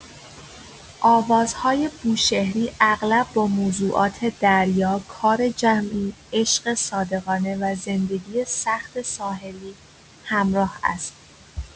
آوازهای بوشهری اغلب با موضوعات دریا، کار جمعی، عشق صادقانه و زندگی سخت ساحلی همراه است.